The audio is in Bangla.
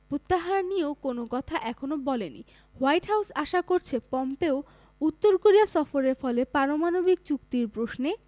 প্রত্যাহার নিয়েও কোনো কথা এখনো বলেনি হোয়াইট হাউস আশা করছে পম্পেওর উত্তর কোরিয়া সফরের ফলে পারমাণবিক চুক্তি প্রশ্নে